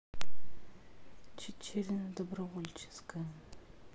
чечерина добровольческая